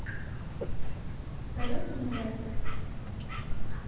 колеса на дастер